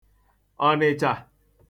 Ọ̀nị̀chà